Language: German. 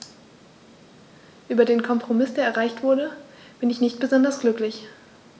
Über den Kompromiss, der erreicht wurde, bin ich nicht besonders glücklich.